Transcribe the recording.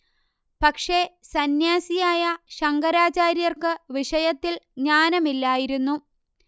പക്ഷേ സന്ന്യാസിയായ ശങ്കരാചാര്യർക്ക് വിഷയത്തിൽ ജ്ഞാനമില്ലായിരുന്നു